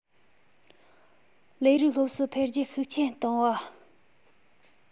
ལས རིགས སློབ གསོ འཕེལ རྒྱས ཤུགས ཆེན གཏོང བ